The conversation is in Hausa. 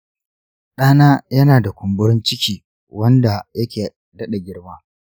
ɗana yana da kumburin ciki wanda yake daɗa girma.